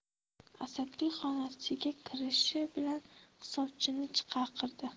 asadbek xonasiga kirishi bilan hisobchini chaqirdi